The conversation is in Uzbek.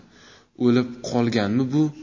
o'lib qolganmi bu